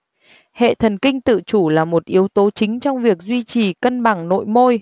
hệ thần kinh tự chủ là một yếu tố chính trong việc duy trì cân bằng nội môi